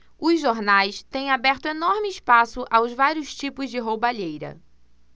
os jornais têm aberto enorme espaço aos vários tipos de roubalheira